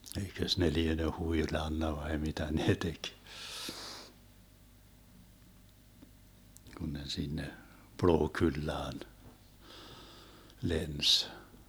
eikös ne liene huilannut vai mitä ne teki kun ne sinne Plookullaan lensi